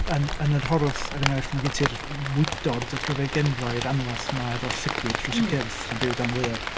Yn yn yr Horwth er enghraifft, ma' gen ti'r mwydod, y pryfaid genwair anferth 'ma efo llygaid dros eu... m-hm. ...cyrff sy'n byw dan ddaear.